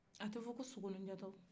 a tɛ fɔ ko sogolonjata o